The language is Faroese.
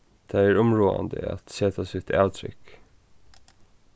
tað er umráðandi at seta sítt avtrykk